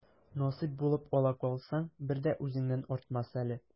Насыйп булып ала калсаң, бер дә үзеңнән артмас әле.